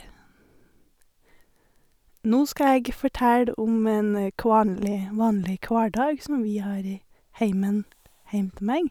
Nå skal jeg fortelle om en kvanli vanlig hverdag som vi har i heimen heim til meg.